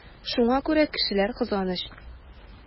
Шуңа күрә кешеләр кызганыч.